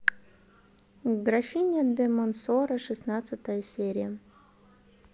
графиня де монсоро шестнадцатая серия